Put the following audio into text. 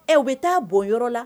Ɛ bɛ taa bon yɔrɔ la